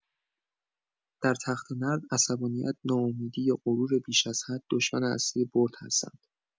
در تخته‌نرد، عصبانیت، ناامیدی یا غرور بیش از حد، دشمن اصلی برد هستند.